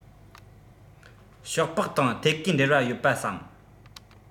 ཤོག སྦག དང ཐད ཀའི འབྲེལ བ ཡོད པ བསམ